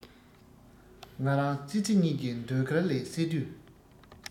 ང རང ཙི ཙི གཉིས ཀྱི ཟློས གར ལས སད དུས